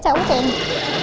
trống chiêng